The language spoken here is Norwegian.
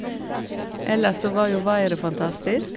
Ellers så var jo været fantastisk.